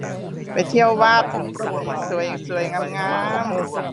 ไปเที่ยววัดที่สวยสวยงามงาม